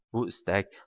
bu istak